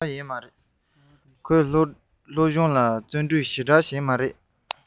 ཁོས སློབ སྦྱོང ལ སྦྱང བརྩོན ཞེ དྲགས བྱེད ཀྱི མ རེད